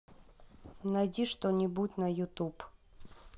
найди что нибудь на ютуб